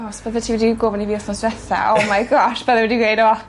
O os byddet ti wedi gofyn i fi wthnos dwetha oh my gosh byddai wedi gweud o